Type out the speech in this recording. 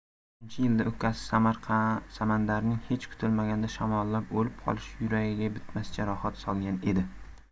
ellik uchinchi yilda ukasi samandarning hech kutilmaganda shamollab o'lib qolishi yuragiga bitmas jarohat solgan edi